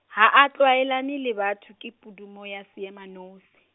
ha a tlwaelane le batho ke pudumo ya seema nosi.